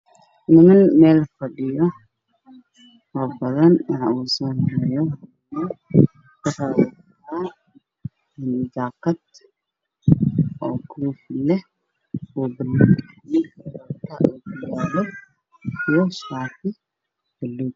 Meeshaan fadhiya niman ka fara badan wataan shaatiyo jaakado cadaan buluugyaalo